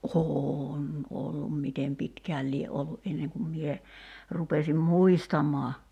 on ollut miten pitkään lie ollut ennen kuin minä rupesin muistamaan